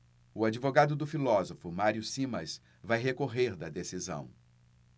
o advogado do filósofo mário simas vai recorrer da decisão